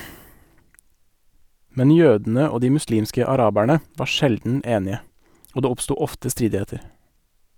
Men jødene og de muslimske araberne var sjelden enige, og det oppsto ofte stridigheter.